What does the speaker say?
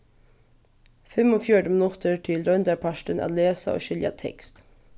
fimmogfjøruti minuttir til royndarpartin at lesa og skilja tekst